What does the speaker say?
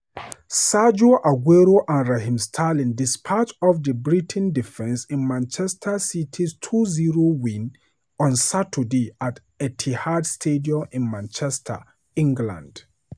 Sergio Aguero and Raheem Sterling dispatched of the Brighton defense in Manchester City's 2-0 win on Saturday at Etihad Stadium in Manchester, England.